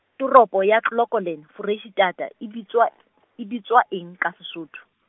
toropo ya Clocolan, Foreisetata e bitswa- , e bitswa eng ka Sesotho?